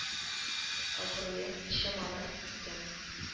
Абруең чамалы икән